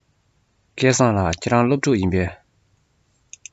སྐལ བཟང ལགས ཁྱེད རང སློབ ཕྲུག ཡིན པས